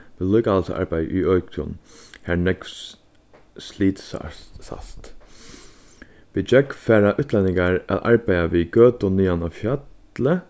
viðlíkahaldsarbeiði í økjum har nógv slit sæst við gjógv fara útlendingar at arbeiða við gøtum niðan á fjalli